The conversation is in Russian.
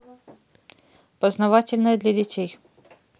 познавательное для детей